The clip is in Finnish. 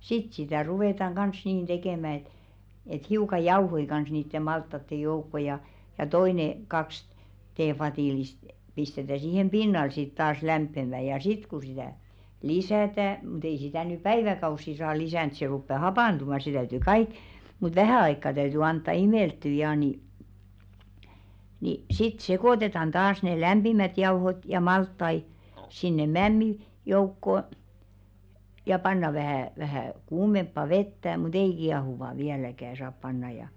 sitten sitä ruvetaan kanssa niin tekemään että että hiukan jauhoja kanssa niiden maltaiden joukkoon ja ja toinen kaksi teevadillista pistetään siihen pinnalle sitten taas lämpiämään ja sitten kun sitä lisätään mutta ei sitä nyt päiväkausia saa lisätä se rupeaa hapantumaan se täytyy kaikki mutta vähän aikaa täytyy antaa imeltyä ja niin niin sitten sekoitetaan taas ne lämpimät jauhot ja maltaita sinne mämmin joukkoon ja pannaan vähän vähän kuumempaa vettä mutta ei kiehuvaa vieläkään saa panna ja